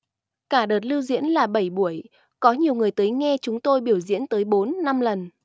cả đợt lưu diễn là bẩy buổi có nhiều người tới nghe chúng tôi biểu diễn tới bốn năm lần